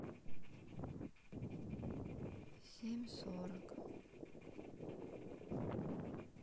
семь сорок